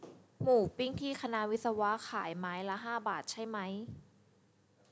หมูปิ้งที่วิศวะขายไม้ละห้าบาทใช่ไหม